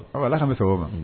Awa Ala k'an bɛ sababa ma